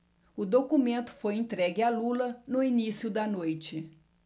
o documento foi entregue a lula no início da noite